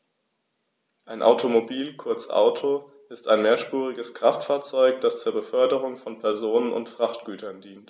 Ein Automobil, kurz Auto, ist ein mehrspuriges Kraftfahrzeug, das zur Beförderung von Personen und Frachtgütern dient.